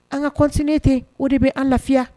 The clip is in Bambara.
An ka cosnen ten o de bɛ an lafiya